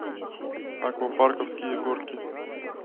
аквапарковские горки